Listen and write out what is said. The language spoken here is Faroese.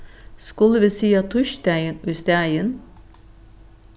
skulu vit siga týsdagin ístaðin